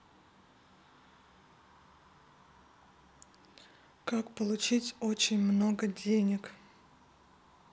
как получить очень много денег